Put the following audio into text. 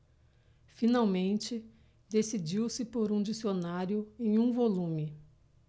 finalmente decidiu-se por um dicionário em um volume